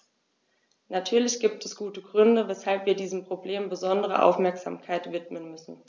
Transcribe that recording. Natürlich gibt es gute Gründe, weshalb wir diesem Problem besondere Aufmerksamkeit widmen müssen.